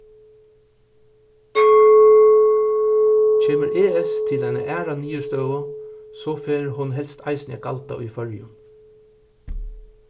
kemur es til eina aðra niðurstøðu so fer hon helst eisini at galda í føroyum